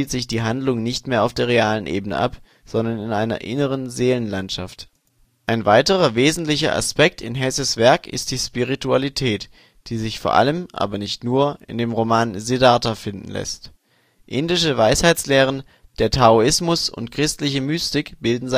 sich die Handlung nicht mehr auf der realen Ebene ab, sondern in einer inneren " Seelen-Landschaft ". Ein weiterer wesentlicher Aspekt in Hesses Werk ist die Spiritualität, die sich vor allem (aber nicht nur) in dem Roman " Siddhartha " finden läßt. Indische Weisheitslehren, der Taoismus und christliche Mystik bilden